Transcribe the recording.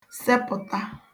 sepụ̀ta